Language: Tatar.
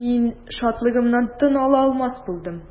Мин шатлыгымнан тын ала алмас булдым.